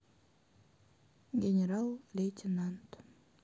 генерал лейтенант